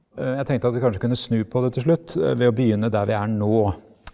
jeg tenkte at vi kanskje kunne snu på det til slutt ved å begynne der vi er nå.